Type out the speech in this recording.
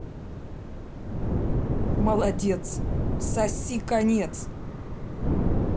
молодец соси конец